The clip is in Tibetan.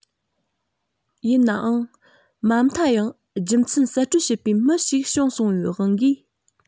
ཡིན ནའང མ མཐའ ཡང རྒྱུ མཚན གསེད བཀྲོལ བྱེད པའི མི ཞིག བྱུང སོང བའི དབང གིས